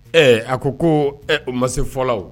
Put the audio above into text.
Ɛɛ a ko ko ɛ o ma se fɔlaw